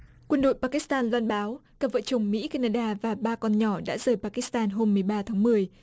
quân đội pa kít tan loan báo cặp vợ chồng mỹ ca na đa và ba con nhỏ đã rời pa kít tan hôm mười ba tháng mười